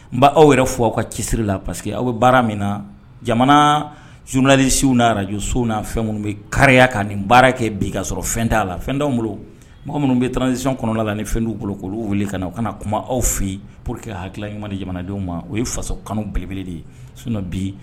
N' aw yɛrɛ fɔ aw ka cisiri la parceri que aw bɛ baara min na jamana zunlalisiww n'a arajso fɛn minnu bɛ kariya ka ni baara kɛ bin ka sɔrɔ fɛn t'a la fɛn'w bolo minnu bɛ tdisi kɔnɔna la ni fɛn' bolo kolo wili ka na u kana kuma aw fɛ yen po que hakilila ɲuman ni jamanadenw ma o ye faso kanu belebele de ye sin bi